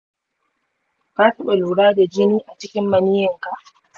ka taɓa lura da jini a cikin maniyyinka?